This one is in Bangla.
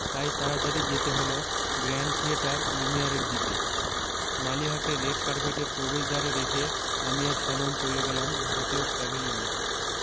তাই তাড়াতাড়ি যেতে হলো গ্র্যান্ড থিয়েটার লুমিয়ারের দিকে মালিহাকে রেড কার্পেটের প্রবেশদ্বারে রেখে আমি আর শ্যানন চলে গেলাম ভারতীয় প্যাভিলিয়নে